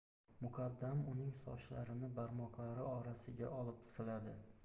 muqaddam uning sochlarini barmoqlari orasiga olib siladi